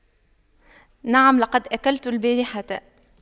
نعم لقد أكلت البارحة